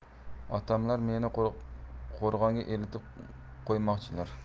otamlar meni qo'rg'onga eltib qo'ymoqchilar